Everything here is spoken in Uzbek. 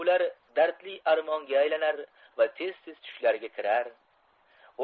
bular dardli armonga aylanar va tez tez tushlariga kirar